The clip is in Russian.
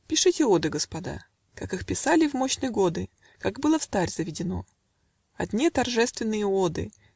"Пишите оды, господа, Как их писали в мощны годы, Как было встарь заведено. "- Одни торжественные оды!